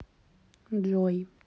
джой